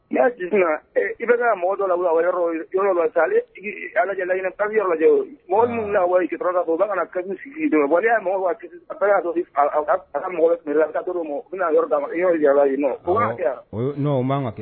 N' y'a jigin i bɛ mɔgɔ dɔ la yɔrɔ yɔrɔ la ala lajɛ mɔgɔ min wa u ka sigi mɔgɔ'a sɔrɔ mɔgɔ ma bɛna yɔrɔ' i yala